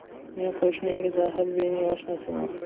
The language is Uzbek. men qo'shningiz ahadbeyning oshnasiman